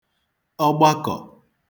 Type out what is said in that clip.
ọgbakọ̀